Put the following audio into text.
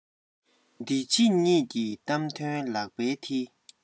འདི ཕྱི གཉིས ཀྱི གཏམ དོན ལག པའི མཐིལ